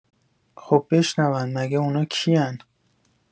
خب بشنون مگه اونا کین؟